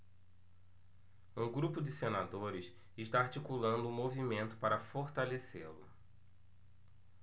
um grupo de senadores está articulando um movimento para fortalecê-lo